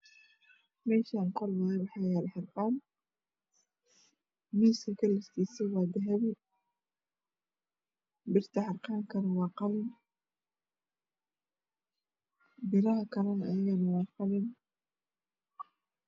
Meshani waa qol harqan ayaa yala miska kalrkisu waa dahabi birta harqankana waa qalin